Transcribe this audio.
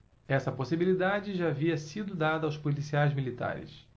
essa possibilidade já havia sido dada aos policiais militares